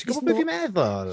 Ti'n gwybod be fi'n meddwl?